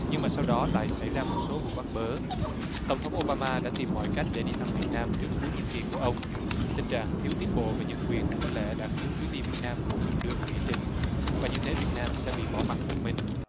nhưng mà sau đó lại xảy ra một số vụ bắt bớ tổng thống ô ba ma đã tìm mọi cách để đi thăm việt nam trước cuối nhiệm kỳ của ông tình trạng thiếu tiến bộ về nhân quyền có lẽ đã khiến chuyến đi việt nam không được đưa vào nghị trình và như thế việt nam sẽ bị bỏ mặc một mình